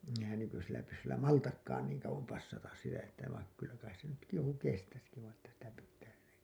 eihän - nykyisillä pyssyllä maltakaan niin kauan passata sitä että vaikka kyllä kai se nytkin joku kestäisikin vain että sitä pitää yrittää